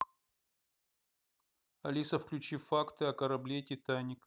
алиса включи факты о корабле титаник